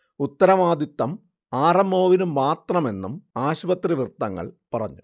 ഉത്തരവാദിത്തം R. M. ഒവിനു മാത്രമെന്നും ആശുപത്രി വൃത്തങ്ങൾ പറഞ്ഞു